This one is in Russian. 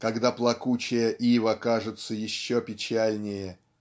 когда плакучая ива кажется еще печальнее